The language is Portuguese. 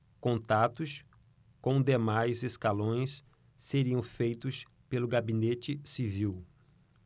contatos com demais escalões seriam feitos pelo gabinete civil